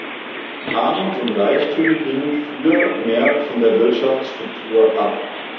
Armut und Reichtum hingen früher mehr von der Wirtschaftsstruktur ab.